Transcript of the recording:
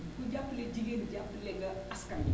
ku jàppale jigéen jàppale nga askaw wi